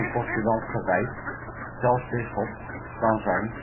postulant gewijd - zelfs bisschop - kan zijn